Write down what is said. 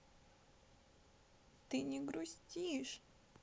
ты не дружишь